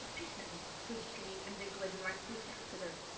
Mae pethau'n freakily yn digwydd yn like freak accidents.